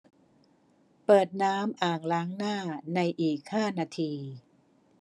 เปิดน้ำอ่างล้างหน้าในอีกห้านาที